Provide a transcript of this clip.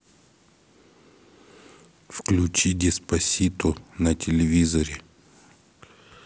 включи деспасито на телевизоре